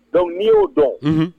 Dɔnkuc n'i y'o dɔn